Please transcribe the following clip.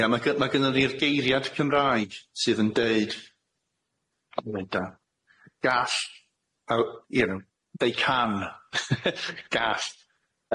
Ie ma' gyn- ma' gynnyn ni'r geiriad Cymraeg sydd yn deud gall, yy you know, they can, gall,